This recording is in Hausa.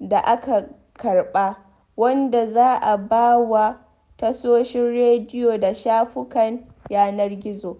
da aka karɓa, wanda za a ba wa tashoshin rediyo da shafukan yanar gizo.